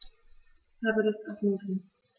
Ich habe Lust auf Nudeln.